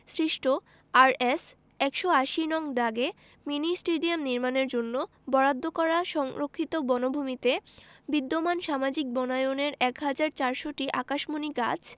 সৃষ্ট আরএস ১৮০ নং দাগে মিনি স্টেডিয়াম নির্মাণের জন্য বরাদ্দ করা সংরক্ষিত বনভূমিতে বিদ্যমান সামাজিক বনায়নের ১ হাজার ৪০০টি আকাশমণি গাছ